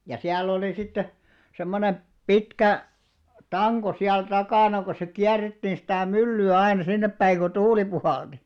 ja siellä oli sitten semmoinen pitkä tanko siellä takana kun se kierrettiin sitä myllyä aina sinnepäin kun tuuli puhalsi